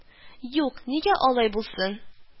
Юк, нигә алай булсын